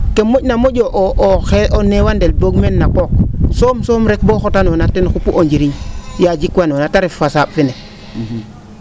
ke mo?na mo?o o nowandel boog meen na qooq soom soom rek boo xotanoona ten xupu o njiriñ yaa jikwanoona te ref fasaa? fene